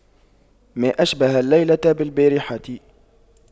ما أشبه الليلة بالبارحة